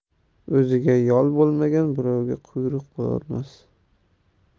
o'ziga yol bo'lmagan birovga quyruq bo'lolmas